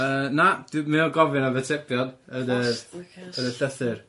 Yy na, dwi- mae o'n gofyn am atebion, yn yr... Plastercast. ...yn y llythyr.